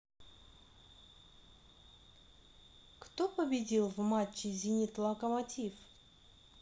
кто победил в матче зенит локомотив